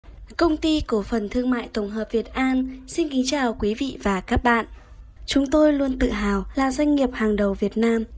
công ty cổ phần thương mại tổng hợp việt an xin kính chào quý vị và các bạn chúng tôi luôn tự hào là doanh nghiệp hàng đầu việt nam